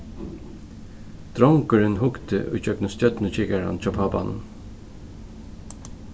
drongurin hugdi ígjøgnum stjørnukikaran hjá pápanum